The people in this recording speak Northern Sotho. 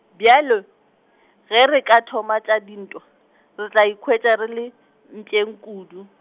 bjalo , ge re ka thoma tša dintwa, re tla ikhwetša re le, mpšeng kudu.